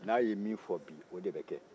n'a ye min fɔ bi o de bɛ kɛ